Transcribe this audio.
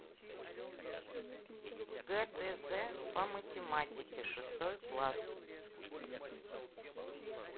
гдз по математике шестой класс